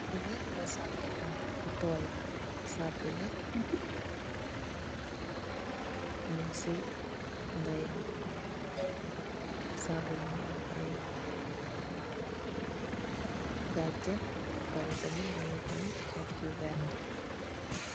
Lii nak basaab bu honku bu tooy la, basaab bi nak, mung si ndayam, basaab bi mungi am aye gaajan, bapare tamin, mungi am xop yu werta.